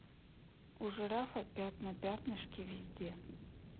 у жирафа пятна пятнышки везде